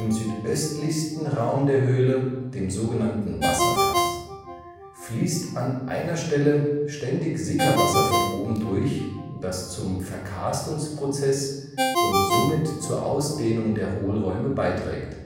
südöstlichsten Raum der Höhle, dem sogenannten Wasserfass, fließt an einer Stelle ständig Sickerwasser von oben durch, das zum Verkarstungsprozess und somit zur Ausdehnung der Hohlräume beiträgt